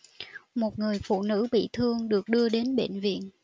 một người phụ nữ bị thương được đưa đến bệnh viện